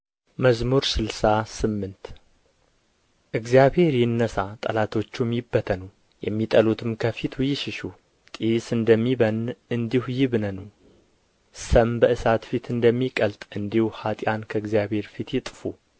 መዝሙር ስልሳ ስምንት እግዚአብሔር ይነሣ ጠላቶቹም ይበተኑ የሚጠሉትም ከፊቱ ይሽሹ ጢስ እንደሚበንን እንዲሁ ይብነኑ ሰም በእሳት ፊት እንደሚቀልጥ እንዲሁ ኅጥኣን ከእግዚአብሔር ፊት ይጥፉ